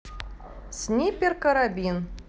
sniper карабин